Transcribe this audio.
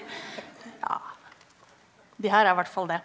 ja, de her er i hvert fall det.